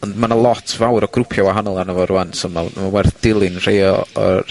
Ond ma' 'na lot fawr o grwpia' wahanol arno fo rŵan, so ma'n, ma'n werth dilyn rhei o- o'r